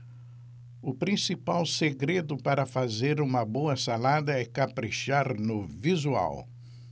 o principal segredo para fazer uma boa salada é caprichar no visual